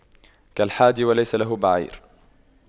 كالحادي وليس له بعير